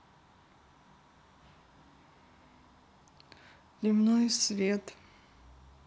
дневной свет